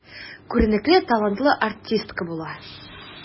Күренекле, талантлы артистка була.